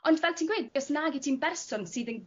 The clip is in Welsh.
ond fel ti'n gweud os nag wyt ti'n berson sydd yn